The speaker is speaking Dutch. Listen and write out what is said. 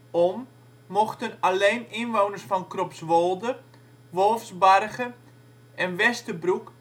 om mochten alleen inwoners van Kropswolde, Wolfsbarge en Westerbroek